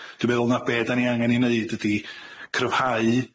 dwi'n meddwl na 'dan ni angen 'i neud ydi cryfhau